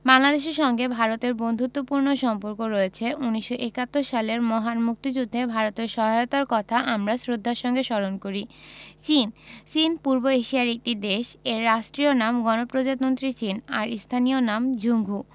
বাংলাদেশের সঙ্গে ভারতের বন্ধুত্তপূর্ণ সম্পর্ক রয়ছে ১৯৭১ সালের মহান মুক্তিযুদ্ধে ভারতের সহায়তার কথা আমরা শ্রদ্ধার সাথে স্মরণ করি চীনঃ চীন পূর্ব এশিয়ার একটি দেশ এর রাষ্ট্রীয় নাম গণপ্রজাতন্ত্রী চীন আর স্থানীয় নাম ঝুংঘু